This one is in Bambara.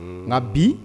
Nka bi